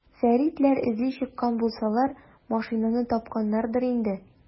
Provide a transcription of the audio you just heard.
Фәритләр эзли чыккан булсалар, машинаны тапканнардыр инде.